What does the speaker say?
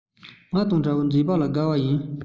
ང དང འདྲ བའི མཛེས པ ལ དགའ བ ཡིན